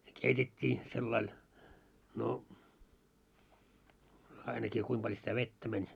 ne keitettiin sillä lailla no ainakin kuinka paljon sitä vettä meni